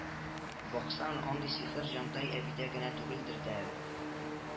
Баксаң, андый сихер Җантай әбидә генә түгелдер дә әле